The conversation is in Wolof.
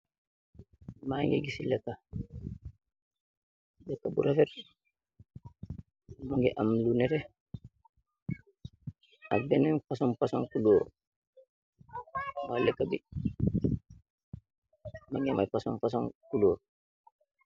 Mageh giss lekka bu refet mogi amm lu neteh ak been fosoon color y lekka bi mugi amm fosoon fosoon color.